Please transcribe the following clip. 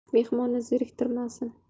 mehmonni zeriktirmasin